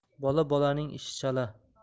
bola bolaning ishi chala